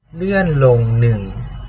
เลื่อนลงหนึ่ง